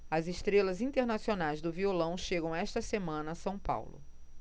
as estrelas internacionais do violão chegam esta semana a são paulo